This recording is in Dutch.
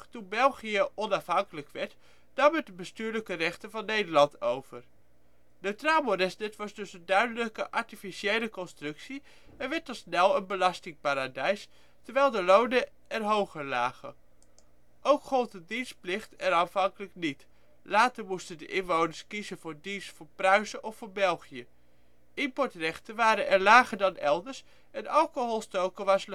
België onafhankelijk werd, nam het de bestuurlijke rechten van Nederland over. Neutraal Moresnet was dus een duidelijk artificiële constructie, en werd al snel een belastingsparadijs, terwijl de lonen er hoger lagen. Ook gold de dienstplicht er aanvankelijk niet (later moesten de inwoners kiezen voor dienst voor Pruisen of voor België), importrechten waren er lager dan elders, en alcohol stoken was